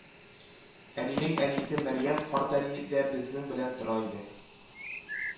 Әнинең әнисе Мәрьям картәни дә безнең белән тора иде